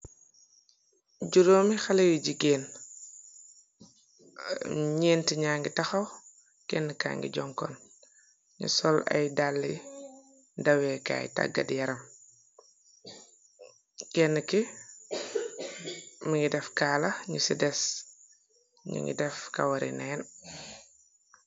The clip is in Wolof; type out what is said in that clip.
Juróomi xale yu jigéen , ñeenti ña ngi taxaw , kenn kangi jonkoon. Nu sol ay dàlli daweekaay taggat yaram, kenn ki mi ngi def kaala ñu ci des ñu ngi def kaware neen.